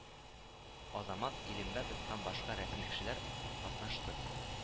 Азамат Илембәтов һәм башка рәсми кешеләр катнашты